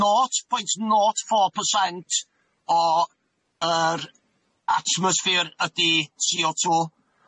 Naught point naught four percent o yr atmosphere ydi See O Two.